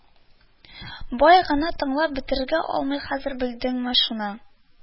Бай гына тыңлап бетерә алмый хәзер, белдеңме шуны